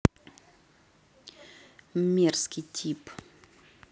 мерзкий тип